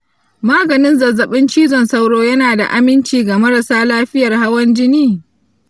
maganin zazzaɓin cizon sauro yana da aminci ga marasa lafiyar hawan jini?